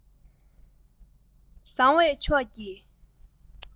བཟང བའི ཕྱོགས ཀྱི